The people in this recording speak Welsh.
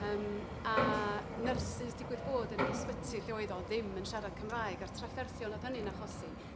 Yym a nyrsys ddigwydd bod yn yr ysbyty lle oedd o ddim yn siarad Cymraeg, a'r trafferthion oedd hynny'n achosi.